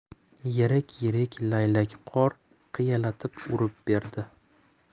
yirik yirik laylakqor qiyalatib urib berdi